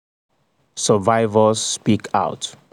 Survivors speak out